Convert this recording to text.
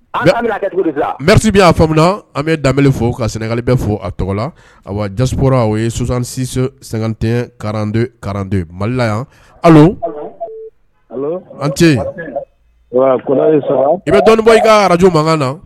Ribi y' aa faamuya an bɛ danbeb fo ka senkagali bɛ fo a tɔgɔ la ja ye sonsansi sante karante malila yan an tɛ i bɛ dɔnni i ka araj makan na